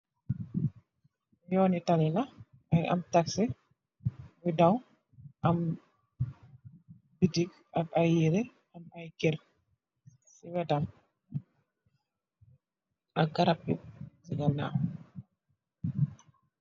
Li yooni tali la mugii taxi bu ndaw am bitik ak ay yirèh am ay kër ci wettam ak garap yu ci ganaw.